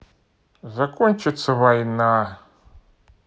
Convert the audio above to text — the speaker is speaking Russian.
закончится война